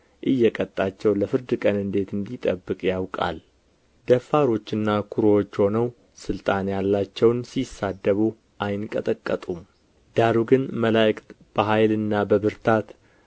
እየቀጣቸው ለፍርድ ቀን እንዴት እንዲጠብቅ ያውቃል ደፋሮችና ኵሩዎች ሆነው ሥልጣን ያላቸውን ሲሳደቡ አይንቀጠቀጡም ዳሩ ግን መላእክት በኃይልና በብርታት